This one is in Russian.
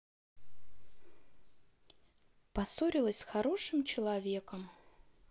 поссорилась с хорошим человеком